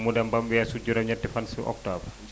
mu dem ba mu weesu juróom-ñetti fan si octobre